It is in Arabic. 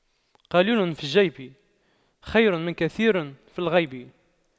قليل في الجيب خير من كثير في الغيب